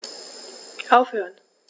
Aufhören.